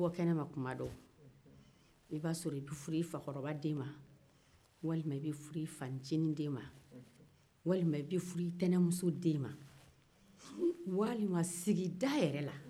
i b'a sɔrɔ i bɛ furu i fakɔrɔba den ma walima i bɛ furu i fanincinin den ma walima i bɛ furu i tɛnɛmuso den ma walima sigida yɛrɛ la